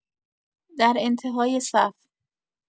در انت‌های صف